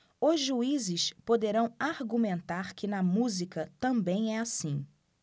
os juízes poderão argumentar que na música também é assim